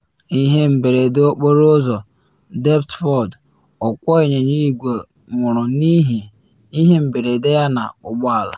Ihe mberede okporo ụzọ Deptford: Ọkwọ anyịnya igwe nwụrụ n’ihe mberede yana ụgbọ ala